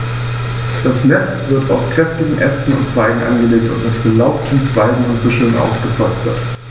Das Nest wird aus kräftigen Ästen und Zweigen angelegt und mit belaubten Zweigen und Büscheln ausgepolstert.